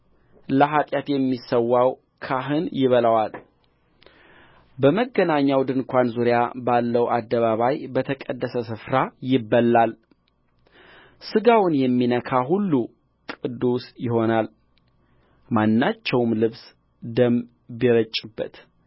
ለኃጢአት የሚሠዋው ካህን ይበላዋል በመገናኛው ድንኳን ዙሪያ ባለው አደባባይ በተቀደሰ ስፍራ ይበላልሥጋውን የሚነካ ሁሉ ቅዱስ ይሆናል ማናቸው ልብስ ደም ቢረጭበት